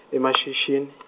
eMashishini.